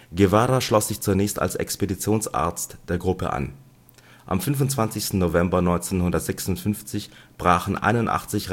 Guevara schloss sich zunächst als Expeditionsarzt der Gruppe an. Am 25. November 1956 brachen 81